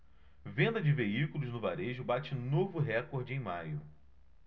venda de veículos no varejo bate novo recorde em maio